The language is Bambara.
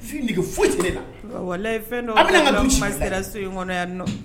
Fi nɛgɛge foyi tile la wa la ye fɛn dɔn aw bɛna masa so in kɔnɔ yan